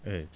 eeyi